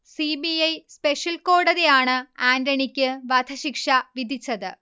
C. B. I special കോടതിയാണ് ആന്റണിക്ക് വധശിക്ഷ വിധിച്ചത്